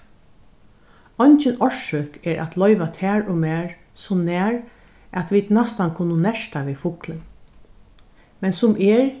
eingin orsøk er at loyva tær og mær so nær at vit næstan kunnu nerta við fuglin men sum er